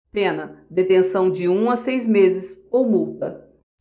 pena detenção de um a seis meses ou multa